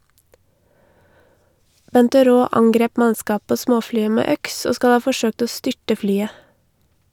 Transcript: Benteraa angrep mannskapet på småflyet med øks, og skal ha forsøkt å styrte flyet.